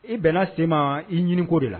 I bɛnna se ma i ɲini ko de la